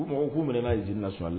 U mako k'u minɛ z ji na sli la